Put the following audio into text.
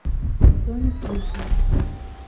sonic песня